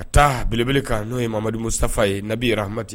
Ka taa beleb kan n'o yeha mussa ye nabi arahadi